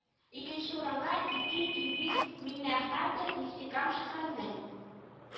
Икенче урынга ике илгиз миңнәхмәтов нефтекама шәһәреннән